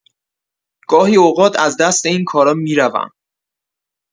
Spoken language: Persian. گاهی اوقات از دست اینکارا می‌روم!